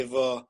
efo